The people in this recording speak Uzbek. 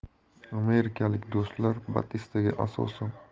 amerikalik do'stlar batistaga asosan